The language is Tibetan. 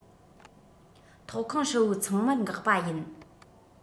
ཐོག ཁང ཧྲིལ བོ ཚང མར འགག པ ཡིན